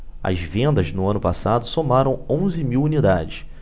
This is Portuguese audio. as vendas no ano passado somaram onze mil unidades